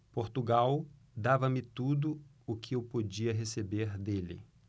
portugal dava-me tudo o que eu podia receber dele